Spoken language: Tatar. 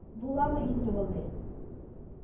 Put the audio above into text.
Буламы инде ул, ди